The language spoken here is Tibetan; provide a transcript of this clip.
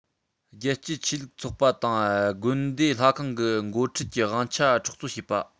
རྒྱལ གཅེས ཆོས ལུགས ཚོགས པ དང དགོན སྡེ ལྷ ཁང གི འགོ ཁྲིད ཀྱི དབང ཆ འཕྲོག རྩོད བྱེད པ